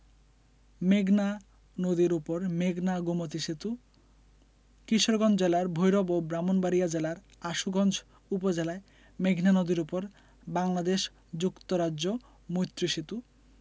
মেঘনা নদীর উপর মেঘনা গোমতী সেতু কিশোরগঞ্জ জেলার ভৈরব ও ব্রাহ্মণবাড়িয়া জেলার আশুগঞ্জ উপজেলায় মেঘনা নদীর উপর বাংলাদেশ যুক্তরাজ্য মৈত্রী সেতু